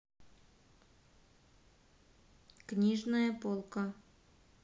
книжная полка